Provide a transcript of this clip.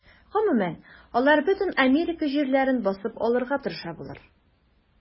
Гомумән, алар бөтен Америка җирләрен басып алырга тырыша булыр.